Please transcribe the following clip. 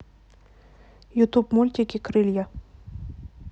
ютуб мультики крылья